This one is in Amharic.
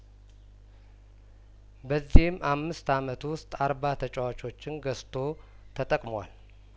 በዚህም አምስት አመት ውስጥ አርባ ተጫዋቾችን ገዝቶ ተጠቅሟል